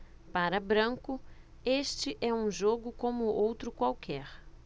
para branco este é um jogo como outro qualquer